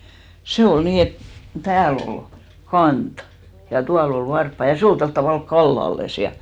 se oli niin että täällä oli kanta ja tuolla oli varpaat ja se oli tuolla tavalla kallellaan ja